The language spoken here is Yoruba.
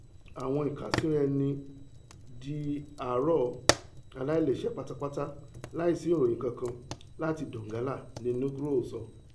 Àwọn ìkànsíra-ẹni ni ''di àrọ aláìlẹ́sẹ̀ pátápátá láìsì ìròyìn kankan'' láti Donggala, ni Nugroho sọ.